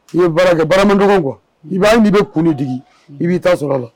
N ye baara kɛ barama dɔgɔ kuwa i b'a'i bɛ kulu d i b'i ta sɔrɔ la